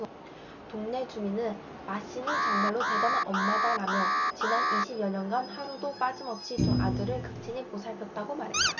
동네 주민은 마씨는 정말로 대단한 엄마다라며 지난 이십 여년간 하루도 빠짐없이 두 아들을 극진히 보살폈다고 말했다